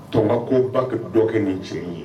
Tɔ n ka ko ba dɔ kɛ ni cɛ in ye.